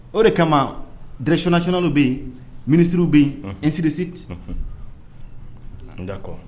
O de kama dresnasɔnw bɛ yen minisiriw bɛ yen nsiririsi n ka kɔ